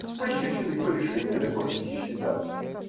с пощечиной Полишинеля можно не считаться.